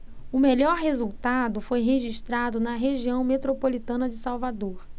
o melhor resultado foi registrado na região metropolitana de salvador